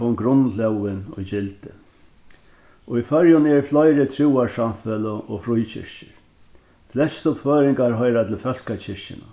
kom grundlógin í gildi í føroyum eru fleiri trúarsamfeløg og fríkirkjur flestu føroyingar hoyra til fólkakirkjuna